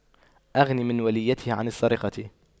أغن من وليته عن السرقة